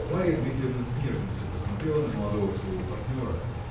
Марья Дмитриевна с нежностью посмотрела на молодого своего партнера